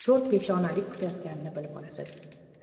sho'rpeshonalik kutayotganini bilib olasiz